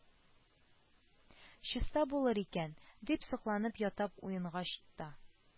Фин, балавыз яки стеарин гына да сеңдереп була